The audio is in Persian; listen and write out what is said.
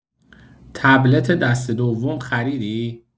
تبلت دسته دوم خریدی؟